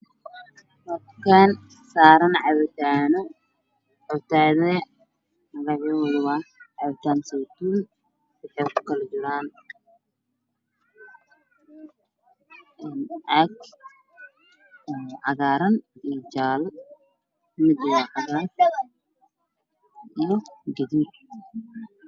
Waameel saarae cabitaano waxaa kamid ah saytuun caag cagaaran iyo jaalo